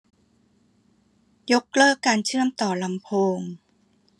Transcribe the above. ยกเลิกการเชื่อมต่อลำโพง